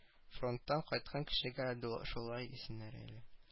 Фронттан кайткан кешегә шулай дисеннәр әле